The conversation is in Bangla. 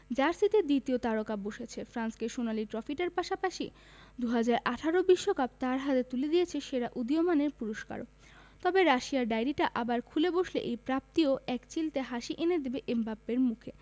জার্সিতে দ্বিতীয় তারকা বসেছে ফ্রান্সকে সোনালি ট্রফিটার পাশাপাশি ২০১৮ বিশ্বকাপ তাঁর হাতে তুলে দিয়েছে সেরা উদীয়মানের পুরস্কারও তবে রাশিয়ার ডায়েরিটা আবার খুলে বসলে এই প্রাপ্তি ও একচিলতে হাসি এনে দেবে এমবাপ্পের মুখে